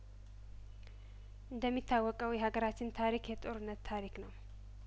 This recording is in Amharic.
እንደሚ ታወቀው የሀገራችን ታሪክ የጦርነት ታሪክ ነው